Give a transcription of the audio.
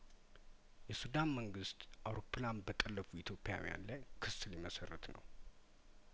የሱዳን መንግስት አውሮፕላን በጠለፉ ኢትዮጵያውያን ላይ ክስ ሊመሰርት ነው